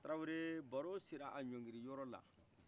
tarawele baro sera a ɲɔgiliyɔrɔ la